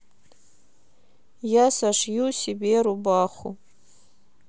я сошью себе рубаху